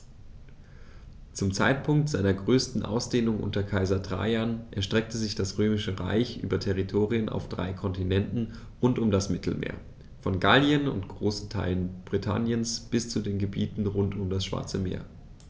Zum Zeitpunkt seiner größten Ausdehnung unter Kaiser Trajan erstreckte sich das Römische Reich über Territorien auf drei Kontinenten rund um das Mittelmeer: Von Gallien und großen Teilen Britanniens bis zu den Gebieten rund um das Schwarze Meer.